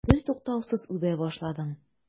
Бертуктаусыз үбә башладың.